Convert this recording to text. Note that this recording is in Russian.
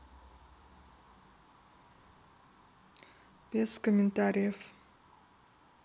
без комментариев